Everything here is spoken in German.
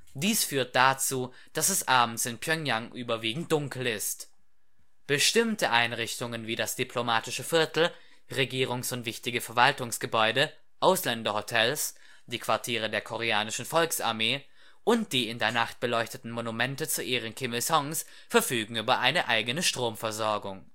Das führt dazu, dass es abends in Pjöngjang überwiegend dunkel ist. Bestimmte Einrichtungen wie das diplomatische Viertel, Regierungs - und wichtige Verwaltungsgebäude, Ausländerhotels, die Quartiere der Koreanischen Volksarmee und die in der Nacht beleuchteten Monumente zu Ehren Kim Il-sungs verfügen über eine eigene Stromversorgung